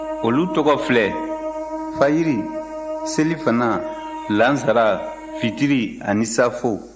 olu tɔgɔ filɛ fajiri selifana laansara fitiri ani saafo